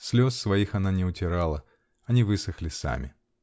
Слез своих она не утирала: они высохли сами.